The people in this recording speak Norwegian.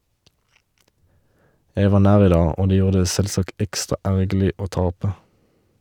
Jeg var nær i dag, og det gjorde det selvsagt ekstra ergerlig å tape.